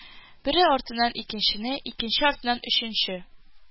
Бере артыннан икенчене, икенче артыннан өченче